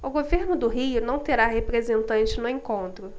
o governo do rio não terá representante no encontro